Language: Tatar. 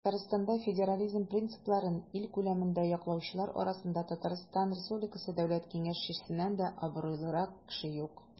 Татарстанда федерализм принципларын ил күләмендә яклаучылар арасында ТР Дәүләт Киңәшчесеннән дә абруйлырак кеше юк.